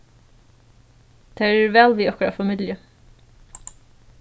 tær eru væl við okkara familju